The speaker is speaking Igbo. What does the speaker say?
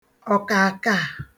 ọ̀kààkàà